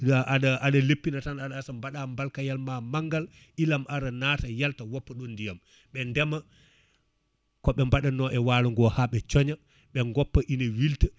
la aɗa leppina tan aɗa asa mbaɗa bakayal ma maggal ilam ara naata halata woppa ɗon ndiyam ɓe ndeema koɓe mbaɗanno e walo haaɓe cooña ɓe goppa ina wilta